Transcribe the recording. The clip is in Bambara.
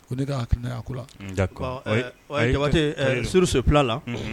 Ko ne'a ko suruso tila la